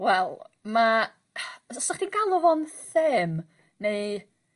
Wel ma' s- 'sach chdi galw fo'n them neu